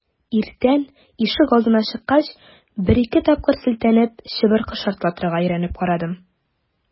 Иртән ишегалдына чыккач, бер-ике тапкыр селтәнеп, чыбыркы шартлатырга өйрәнеп карадым.